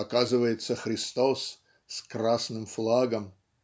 оказывается Христос с красным флагом.